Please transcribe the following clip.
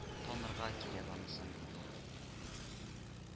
Танырга кирәк анысын, — диде ул